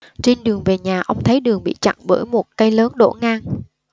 trên đường về nhà ông thấy đường bị chặn bởi một cây lớn đổ ngang